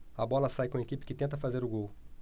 a bola sai com a equipe que tenta fazer o gol